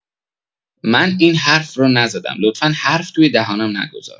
من این حرف را نزدم، لطفا حرف توی دهانم نگذار!